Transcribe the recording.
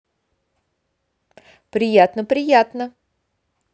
приятно приятно